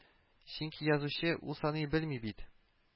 Чөнки язучы ул саный белми бит